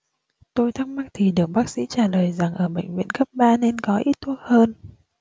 tôi thắc mắc thì được bác sĩ trả lời rằng ở bệnh viện cấp ba nên có ít thuốc hơn